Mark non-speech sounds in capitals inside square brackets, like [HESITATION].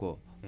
[HESITATION] [HESITATION]